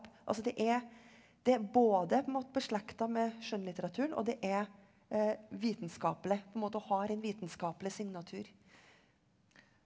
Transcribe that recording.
altså det er det er både på en måte beslektet med skjønnlitteraturen og det er vitenskapelig på en måte og har en vitenskapelig signatur.